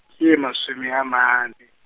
e masome a mane.